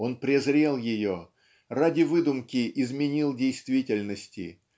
Он презрел ее, ради выдумки изменил действительности